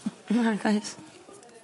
Nagoes.